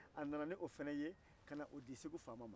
a nana ni o fana ye ka na o di segu faama ma